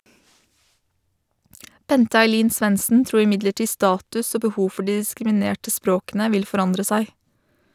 Bente Ailin Svendsen tror imidlertid status og behov for de diskriminerte språkene vil forandre seg.